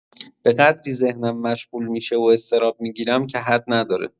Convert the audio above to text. به قدری ذهنم مشغول می‌شه و اضطراب می‌گیرم که حد نداره.